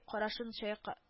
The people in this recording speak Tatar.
Карашын чайка